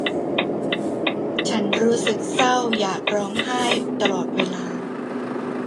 ฉันรู้สึกเศร้าอยากร้องไห้ตลอดเวลา